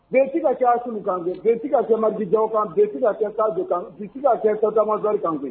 Bin ka cɛ sun kan bɛnti ka kɛ ma dijan kan bɛsiri ka kɛ kan kan binsiri ka kɛ ka damamabali kan fɛ